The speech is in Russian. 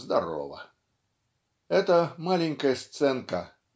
"Здорово!" Это - маленькая сценка